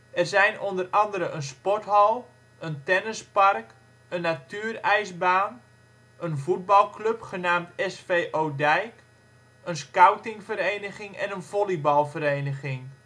zijn onder andere een sporthal, een tennispark, een natuurijsbaan, een voetbalclub genaamd SV Odijk, een Scoutingvereniging en een volleybalvereniging